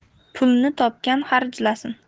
pulni topgan xarjlasin